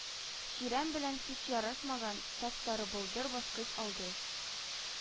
Чирәм белән һич ярашмаган сап-сары болдыр, баскыч алды